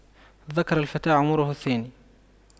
ذكر الفتى عمره الثاني